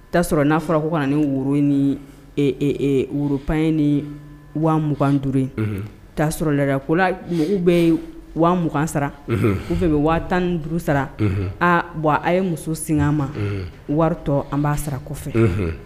'a sɔrɔ n'a fɔra' ka na ni woro ni woro panye ni wa 2 duuru' sɔrɔ la ko la u bɛ yen waa 2ugan sara u fɛ bɛ waa tan duuru sara aaa bɔn a ye muso sin ma waritɔ an b'a sara kɔfɛ